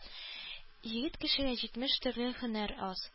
Егет кешегә җитмеш төрле һөнәр аз.